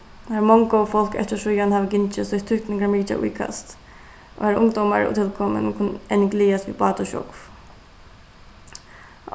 har mong góð fólk eftirsíðan hava gingið sítt íkast og har ungdómar og tilkomin enn gleðast við bát og sjógv